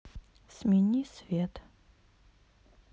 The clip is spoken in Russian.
смени свет